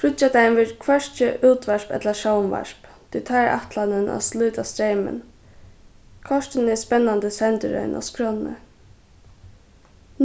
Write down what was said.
fríggjadagin verður hvørki útvarp ella sjónvarp tí tá er ætlanin at slíta streymin kortini er spennandi sendirøðin á skránni